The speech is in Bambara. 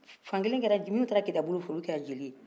minun taara kita bolo fɛ u kɛra jeliw ye